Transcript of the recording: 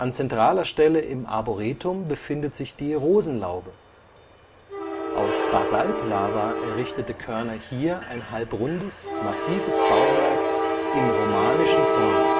zentraler Stelle im Arboretum befindet sich die „ Rosenlaube “. Aus Basaltlava errichtete Koerner hier ein halbrundes massives Bauwerk in romanischen Formen